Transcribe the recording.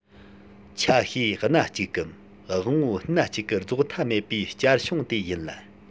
ཆ ཤས སྣ གཅིག གམ དབང པོ སྣ གཅིག གི རྫོགས མཐའ མེད པའི བསྐྱར བྱུང དེ ཡིན ལ